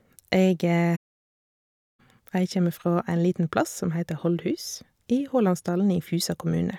Jeg Jeg kjeme fra en liten plass som heter Holdhus i Hålandsdalen i Fusa kommune.